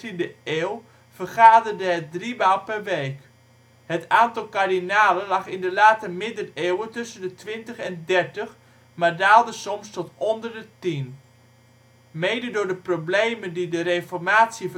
de 13e eeuw vergaderde het drie maal per week. Het aantal kardinalen lag in de late middeleeuwen tussen de twintig en dertig, maar daalde soms tot onder tien. Mede door de problemen die de Reformatie